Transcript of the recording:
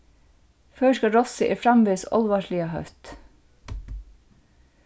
føroyska rossið er framvegis álvarsliga hótt